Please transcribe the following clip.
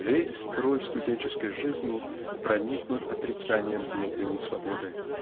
-- Весь строй студен ческой жизни проникнут отрицанием внутренней свободы.